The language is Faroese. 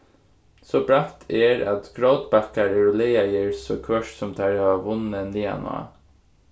so bratt er at grótbakkar eru lagaðar so hvørt sum teir hava vunnið niðaná